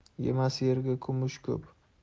yemas yerda yumush ko'p